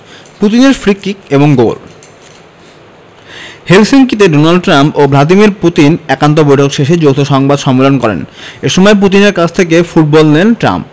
পুতিনের free kick এবং goal হেলসিঙ্কিতে ডোনাল্ড ট্রাম্প ও ভ্লাদিমির পুতিন একান্ত বৈঠক শেষে যৌথ সংবাদ সম্মেলন করেন এ সময় পুতিনের কাছ থেকে ফুটবল নেন ট্রাম্প